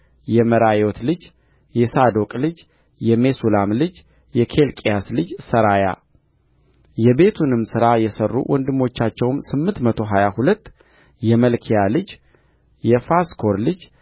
የመራዮት ልጅ የሳዶቅ ልጅ የሜሱላም ልጅ የኪልቅያስ ልጅ ሠራያ የቤቱንም ሥራ የሠሩ ወንድሞቻቸው ስምንት መቶ ሀያ ሁለት የመልክያ ልጅ የፋስኮር ልጅ